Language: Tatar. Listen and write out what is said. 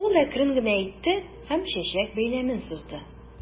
Ул әкрен генә әйтте һәм чәчәк бәйләмен сузды.